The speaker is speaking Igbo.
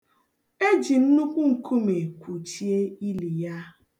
E ji nnukwu nkume kwuchie ili ya.